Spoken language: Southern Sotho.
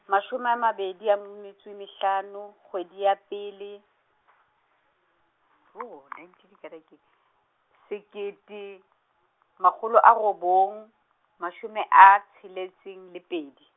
mashome a mabedi a mme metso e mehlano kgwedi ya pele , hoo nineteen kana ke eng, sekete, makgolo a robong, mashome a tsheletseng le pedi.